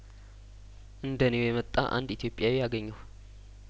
እንደ ኔው የመጣ አንድ ኢትዮጵያዊ አገኘሁ